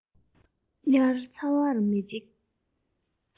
དབྱར ཚ བར མི འཇིགས